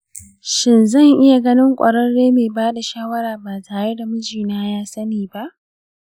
shin zan iya ganin ƙwararren mai bada shawara ba tare da miji na ya sani ba?